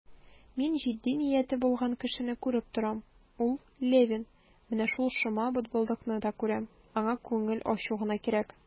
Мин җитди нияте булган кешене күреп торам, ул Левин; менә шул шома бытбылдыкны да күрәм, аңа күңел ачу гына кирәк.